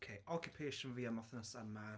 OK, occupation fi am wythnos yma...